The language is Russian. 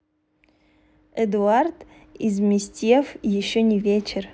эдуард изместьев еще не вечер